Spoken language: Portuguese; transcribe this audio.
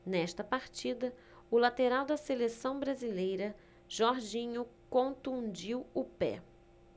nesta partida o lateral da seleção brasileira jorginho contundiu o pé